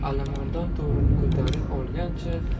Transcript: alimardon torini ko'tarib olgancha